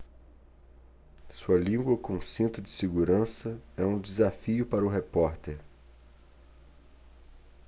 sua língua com cinto de segurança é um desafio para o repórter